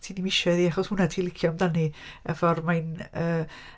Ti ddim isio iddi hi, achos hwnna ti'n licio amdani y ffordd mae'n yy